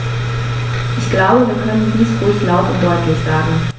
Ich glaube, wir können dies ruhig laut und deutlich sagen.